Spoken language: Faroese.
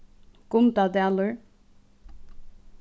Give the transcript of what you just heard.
gundadalur